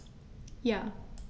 Ja.